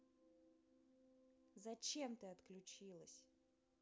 зачем ты отключилась